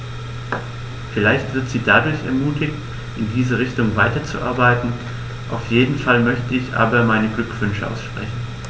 Vielleicht wird sie dadurch ermutigt, in diese Richtung weiterzuarbeiten, auf jeden Fall möchte ich ihr aber meine Glückwünsche aussprechen.